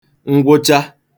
ngwụcha